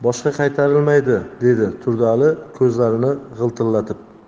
turdiali ko'zlarini g'iltillatib